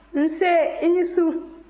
nse i ni su